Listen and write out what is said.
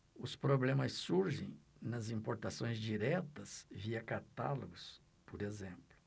os problemas surgem nas importações diretas via catálogos por exemplo